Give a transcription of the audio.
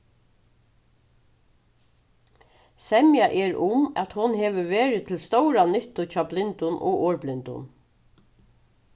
semja er um at hon hevur verið til stóra nyttu hjá blindum og orðblindum